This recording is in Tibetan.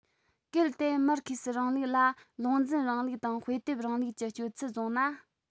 གལ ཏེ མར ཁེ སིའི རིང ལུགས ལ ལུང འཛིན རིང ལུགས དང དཔེ དེབ རིང ལུགས ཀྱི སྤྱོད ཚུལ བཟུང ན